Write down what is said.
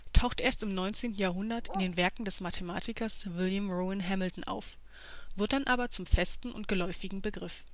taucht erst im 19. Jahrhundert in den Werken des Mathematikers William Rowan Hamilton auf, wird dann aber zum festen und geläufigen Begriff